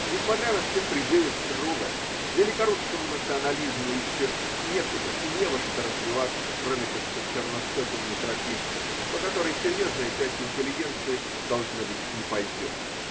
Несмотря на все призывы Струве, великорусскому национализму еще некуда и не во что развиваться, кроме как по черносотенной тропинке, по которой серьезная часть интеллигенции, должно быть, не пойдет.